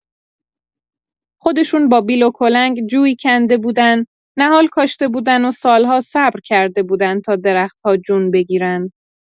خودشون با بیل و کلنگ جوی کنده بودن، نهال کاشته بودن و سال‌ها صبر کرده بودن تا درخت‌ها جون بگیرن.